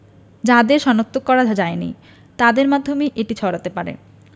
যাদের শনাক্ত করা যায়নি তাদের মাধ্যমেই এটি ছড়াতে পারে